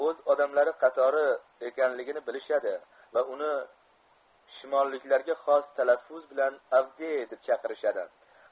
o'z odamlari qatori ekanligini bilishadi va uni shimolliklarga xos talaffuz bilan avdiy deb chaqirishadi